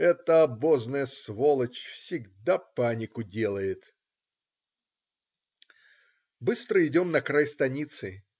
"Эта обозная сволочь всегда панику делает!" Быстро идем на край станицы.